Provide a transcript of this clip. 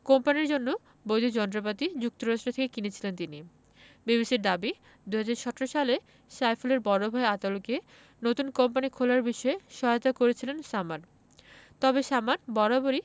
কোম্পানির জন্য বৈধ যন্ত্রপাতি যুক্তরাষ্ট্র থেকে কিনেছিলেন তিনি বিবিসির দাবি ২০১৭ সালে সাইফুলের বড় ভাই আতাউলকে নতুন কোম্পানি খোলার বিষয়ে সহায়তা করেছিলেন সামাদ তবে সামাদ বারবারই